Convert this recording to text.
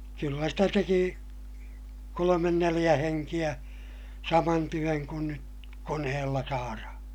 kyllä sitä teki kolme neljä henkeä saman työn kuin nyt koneella saadaan